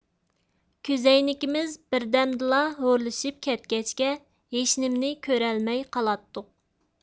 كۆزەينىكىمىز بىردەمدىلا ھورلىشىپ كەتكەچكە ھېچنېمىنى كۆرەلمەي قالاتتۇق